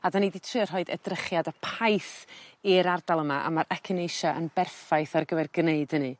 A 'dan ni 'di trio rhoid edrychiad a paith i'r ardal yma a ma'r echinacea yn berffaith ar gyfer gneud hynny.